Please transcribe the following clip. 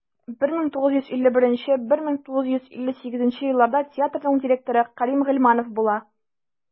1951-1958 елларда театрның директоры кәрим гыйльманов була.